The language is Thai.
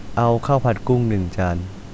เอาข้าวผัดกุ้งหนึ่งจาน